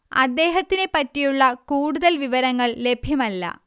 അദ്ദേഹത്തിനെ പറ്റിയുള്ള കൂടുതൽ വിവരങ്ങൾ ലഭ്യമല്ല